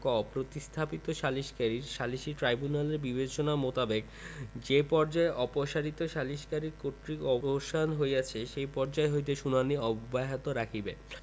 ক প্রতিস্থাপিত সালিসকারী সালিসী ট্রাইব্যুনালের বিচেনা মোতাবেক যে পর্যায়ে অপসারিত সালিসকারীর কর্তৃক্ব অবসান হইয়াছে সেই পর্যায় হইতে শুনানী অব্যাহত রাখিবেন